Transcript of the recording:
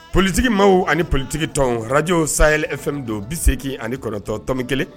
Politigi maaw ani politigi tɔn arajow sayefw don bi segin ani kɔrɔtɔn tomi kelen